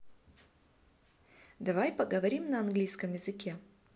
давай поговорим на английском языке